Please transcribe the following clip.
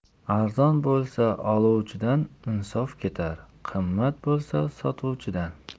arzon bo'lsa oluvchidan insof ketar qimmat bo'lsa sotuvchidan